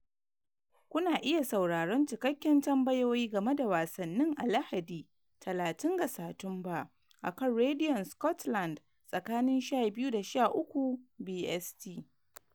Kuna iya sauraron cikakken tambayoyi game da Wasanni a Lahadi, 30 Satumba, a kan Radio Scotland tsakanin 12:00 da 13:00 BST